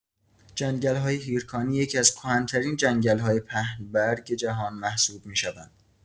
جنگل‌های هیرکانی یکی‌از کهن‌ترین جنگل‌های پهن‌برگ جهان محسوب می‌شوند.